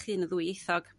eich hun yn ddwyieithog?